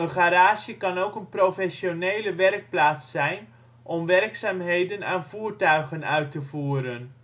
garage kan ook een professionele werkplaats zijn om werkzaamheden aan voertuigen uit te voeren